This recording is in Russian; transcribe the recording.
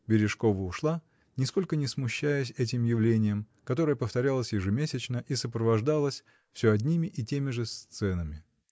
Бережкова ушла, нисколько не смущаясь этим явлением, которое повторялось ежемесячно и сопровождалось всё одними и теми же сценами.